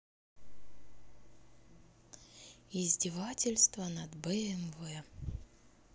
издевательство над бмв